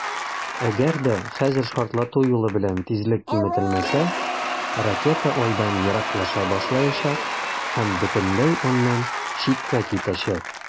Әгәр дә хәзер шартлату юлы белән тизлек киметелмәсә, ракета Айдан ераклаша башлаячак һәм бөтенләй аннан читкә китәчәк.